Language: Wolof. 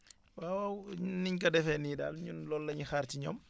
waaw niñ ko defee nii daal ñun loolu la ñuy xaar ci ñoom